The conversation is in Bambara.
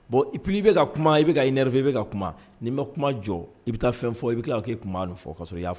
Bon, plus i bɛ ka kuma i bɛ ka énerver i bɛ ka kuma n’i ma kuma jɔ i bɛ ta fɛn fɔ i bɛ tila ka fɔ k’e tuma nin fɔ, ka na sɔrɔ i y'a fɔ.